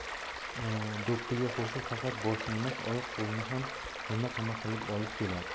do'ppiga qo'shib faqat boshni emas oyoq qo'lni ham qiyma qiyma qilib olib keladi